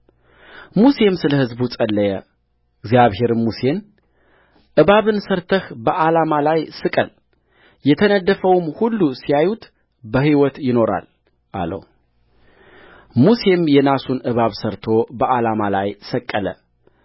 ሙሴም ስለ ሕዝቡ ጸለየ እግዚአብሔርም ሙሴን እባብን ሠርተህ በዓላማ ላይ ስቀል የተነደፈውም ሁሉ ሲያያት በሕይወት ይኖራል አለውሙሴም የናሱን እባብ ሠርቶ በዓላማ ላይ ሰቀለ